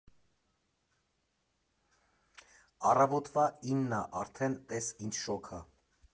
Առավոտվա ինն ա, արդեն տես ինչ շոգ ա։